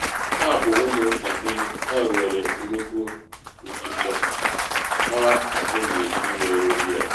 Ha bụ ụmụ ntakịrị, ha nwere nnukwu nchụchọ ... ha apụghị ịmerụ gị ahụ.